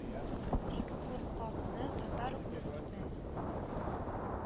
Тик куркакны татар үз итмәс